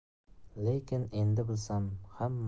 lekin endi bilsam